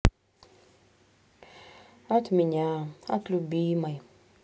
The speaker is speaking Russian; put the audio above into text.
от меня от любимой